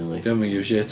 'Di o'm yn give a shit.